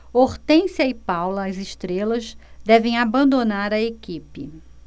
hortência e paula as estrelas devem abandonar a equipe